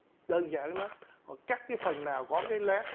đơn giản lắm họ cắt cái phần nào có cái loét